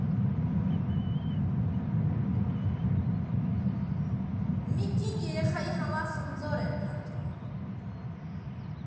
), մի կին երեխայի համար խնձոր էր փնտրում։